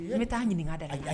E bɛ taa ɲininka da